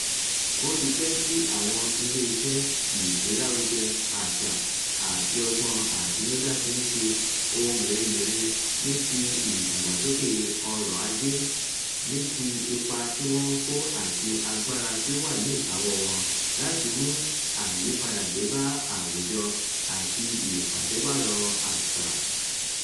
Ó ti pẹ́ tí àwọn iléeṣẹ́ ìgbélárugẹ àṣà àti ọgbọ́n àtinudá ti ń ṣe ohun mèremère ní ti ìdàgbàsókè ọrọ̀ Ajé, ní ti ipa tí wọ́n ń kó àti agbára tí ó wà níkàáwọ́ wọn láti mú àyípadà dé bá àwùjọ àti ìpàṣípààrọ̀ àṣà.